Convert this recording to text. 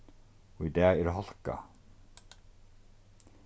í dag er hálka